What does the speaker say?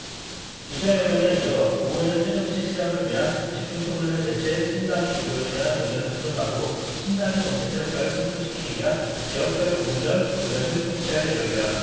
기자회견에 이어 오후에는 새정치 실현을 위한 집중 토론회를 개최 신당의 기조에 대한 의견을 수렴하고 신당의 정치 세력화를 성공시키기 위한 지역별 부문별 의견을 청취할 예정이다